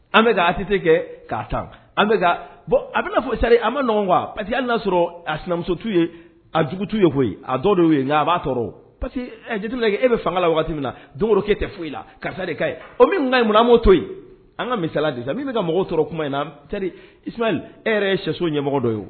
An bɛ ase kɛ k' tan an bɛ bɔn a bɛna fɔri an ma ɲɔgɔn pa que' y'a sɔrɔ a sinamusou ye a jugutu ye a dɔ ye nka a b'a parce que jate e bɛ fanga la waati min na donkɛ tɛ foyi i la karisa de ka ye min ka an b'o to yen an ka misisala sa min bɛka ka mɔgɔw tɔɔrɔ kuma in na e yɛrɛ siso ɲɛmɔgɔ dɔ ye